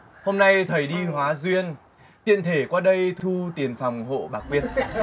hôm nay thầy đi hóa duyên tiện thể qua đây thu tiền phòng hộ bà quyên